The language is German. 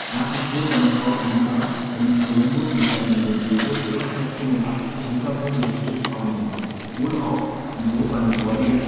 Nach dem Tod seiner Frau Felipa verließ Kolumbus mit seinem Sohn Diego 1485 Lissabon in Richtung Spanien, wohl auch, um so seinen Gläubigern